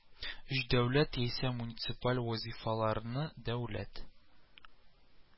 Өч дәүләт яисә муниципаль вазыйфаларны, дәүләт